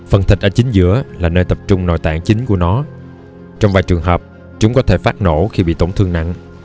phần thịt ở chính giữa là nơi tập trung nội tạng chính của nó trong vài trường hợp chúng có thể phát nổ khi bị tổn thương nặng